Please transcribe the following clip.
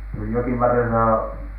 jokivarressa -